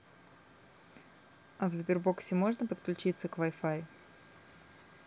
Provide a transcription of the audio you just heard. а в сбербоксе возможно подключиться к wi fi